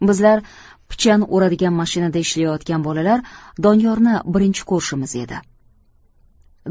bizlar pichan o'radigan mashinada ishlayotgan bolalar doniyorni birinchi ko'rishimiz edi